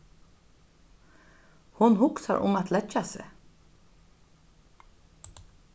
hon hugsar um at leggja seg